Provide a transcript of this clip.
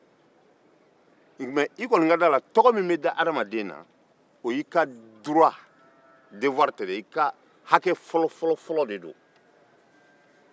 tɔgɔ min bɛ da adamaden kan o y'i ka hakɛ fɔlɔfɔlɔ ye